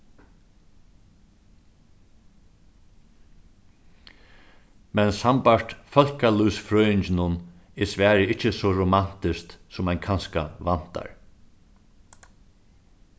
men sambært fólkalívsfrøðinginum er svarið ikki so romantiskt sum ein kanska væntar